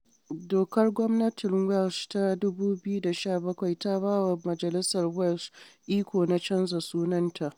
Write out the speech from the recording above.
Dokar Gwamnatin Welsh ta 2017 ta ba wa majalisar Welsh iko na canza sunanta.